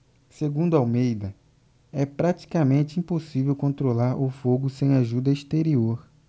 segundo almeida é praticamente impossível controlar o fogo sem ajuda exterior